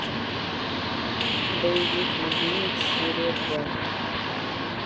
боевик ливиец серия два